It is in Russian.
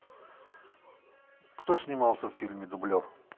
кто снимался в фильме дублер